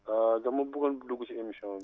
dama buggoon dugg si émission bi